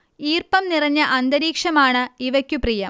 ഈർപ്പം നിറഞ്ഞ അന്തരീക്ഷമാണ് ഇവയ്ക്കു പ്രിയം